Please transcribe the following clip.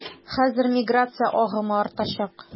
Хәзер миграция агымы артачак.